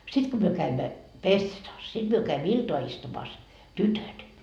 sitten kun me kävimme pessetassa sitten me kävimme iltaa istumassa tytöt